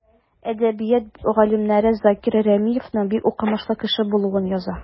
Әдәбият галимнәре Закир Рәмиевнең бик укымышлы кеше булуын яза.